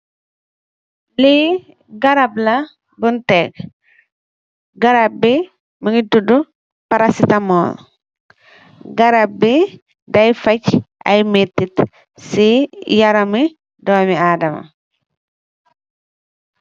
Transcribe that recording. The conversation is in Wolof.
Li garap la buñ tek, garap bi mugeh tuddu perastamol. Garap bi dai fajj ay metit ci yaram mi domi Adama.